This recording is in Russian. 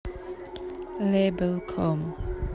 labelcom